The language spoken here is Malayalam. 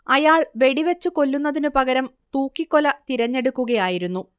അയാൾ വെടിവച്ച് കൊല്ലുന്നതിനു പകരം തൂക്കിക്കൊല തിരഞ്ഞെടുക്കുകയായിരുന്നു